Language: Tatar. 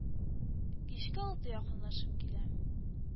Кичке алты якынлашып килә